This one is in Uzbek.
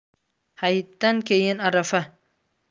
hayitdan keyin arafa